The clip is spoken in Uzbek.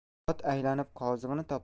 ot aylanib qozig'ini